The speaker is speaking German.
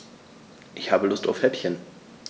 Ich habe Lust auf Häppchen.